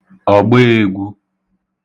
ọ̀gbeēgwū